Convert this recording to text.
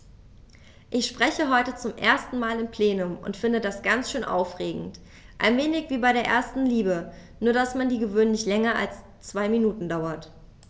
Ich spreche heute zum ersten Mal im Plenum und finde das ganz schön aufregend, ein wenig wie bei der ersten Liebe, nur dass die gewöhnlich länger als zwei Minuten dauert.